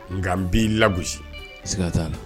Nka n b'i lago sigi ka t' a la